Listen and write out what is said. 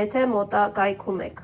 եթե մոտակայքում եք։